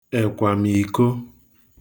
ẹ̀kwàm̀iko